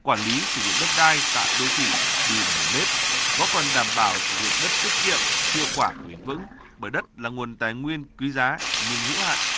quản lý sử dụng đất đai tại đô thị đi vào nề nếp góp phần đảm bảo sử dụng đất tiết kiệm hiệu quả và bền vững bởi đất là nguồn tài nguyên quý giá nhưng hữu hạn